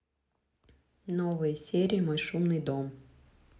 новые серии мой шумный дом